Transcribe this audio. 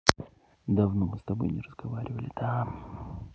давно мы с тобой не разговаривали да